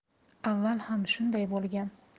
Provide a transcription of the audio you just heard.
avval ham shunday bo'lgan